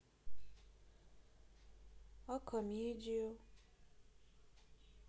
а комедию